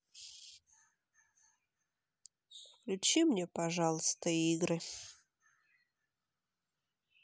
включи мне пожалуйста игры